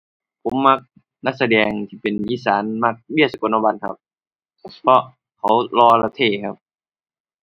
ผมมักนักแสดงที่เป็นอีสาน มักเวียร์ ศุกลวัฒน์ครับ เพราะเขาหล่อและเท่ครับ